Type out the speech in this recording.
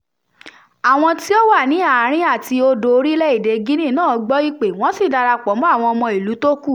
Àwọn tí ó wà ní Àárín àti Odò orílẹ̀ èdè Guinea náà gbọ́ ìpè, wọ́n sì darapọ̀ mọ́ àwọn ọmọ ìlú tó kù.